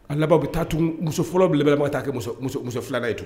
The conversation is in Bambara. A laban bɛ taa tun muso fɔlɔ bɛ bɛ bbaa ta muso filanan yen to